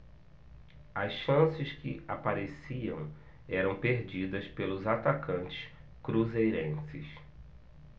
as chances que apareciam eram perdidas pelos atacantes cruzeirenses